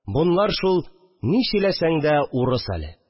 Бунлар шул, ни сөйләсәң дә, урыс әле